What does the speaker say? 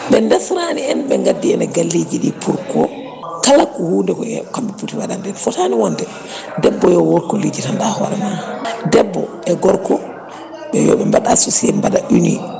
ɓe ndesrani en ɓe gaddi en e galleji ɗi pour ko kala hunde ko kamɓe poti waɗande en fotani wonde debbo yo wot lijitanɗa hoorema debbo e gorko yoɓe mbad associé ɓe mbaɗe unis